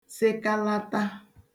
sekalata